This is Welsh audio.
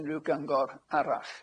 Unrhyw gyngor arall.